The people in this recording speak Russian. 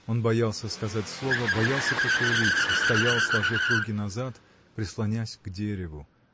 Он боялся сказать слово, боялся пошевелиться, стоял, сложив руки назад, прислонясь к дереву.